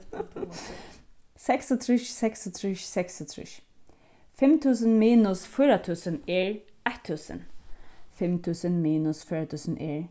seksogtrýss seksogtrýss seksogtrýss fimm túsund minus fýra túsund er eitt túsund fimm túsund minus fýra túsund er